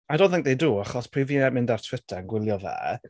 I don't think they do, achos pryd fi'n mynd ar Twitter yn gwylio fe...